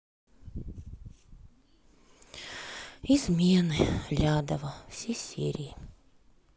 измены лядова все серии